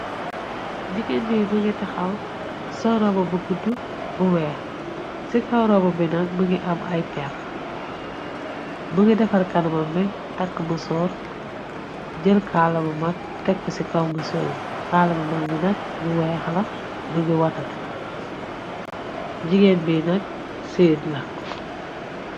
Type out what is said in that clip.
Jigéen bi bë ngi taxaw soor robo bu gudd bu weex ci kaw robo bi nag bi ngi am ay peer më ngi defar kanamambe tàkk më soor jër kaala bu mag tekk ci kaw më soor kaala bu mag bi nag bu weex la bu ngi watat jigeen bi nag siyt la.